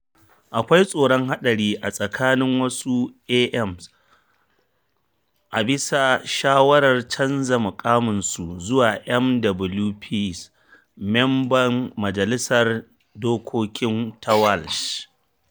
Akwai tsoron haɗari a tsakanin wasu AMs a bisa shawarar canza muƙaminsu zuwa MWPs (Mamban Majalisar Dokoki ta Welsh).